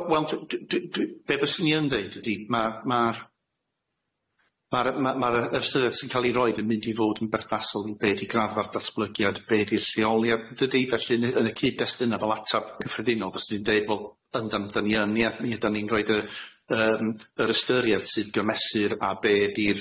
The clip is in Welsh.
We- wel d- d- d- d- be' fyswn i yn ddeud ydi ma' ma'r ma'r ma' ma'r yy ystyriaeth sy'n ca'l i roid yn mynd i fod yn berthnasol yn be' di graddfa'r datblygiad, be' di'r lleoliad dydi? Felly ne- yn y cyd-destuna fel atab cyffredinol fyswn i'n deud wel yndan, dan ni yn ie ie dan ni'n roid y yym yr ystyriaeth sydd gymesur a be' di'r